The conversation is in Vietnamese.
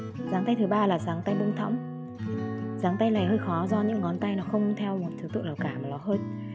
dáng tay thứ ba là dáng tay buông thõng dáng tay này hơi khó do những ngón tay không theo một thứ tự nào cả mà nó hơi mỗi bên một phần